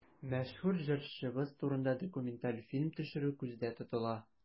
Мәшһүр җырчыбыз турында документаль фильм төшерү күздә тотыла.